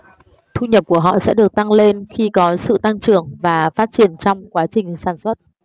thu nhập của họ sẽ được tăng lên khi có sự tăng trưởng và phát triển trong quá trình sản xuất